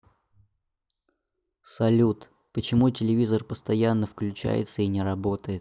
салют почему телевизор постоянно включается и не работает